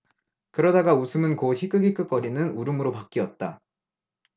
그러다가 웃음은 곧 히끅히끅 거리는 울음으로 바뀌었다